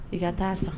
I ka taa san